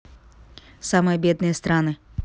самые бедные страны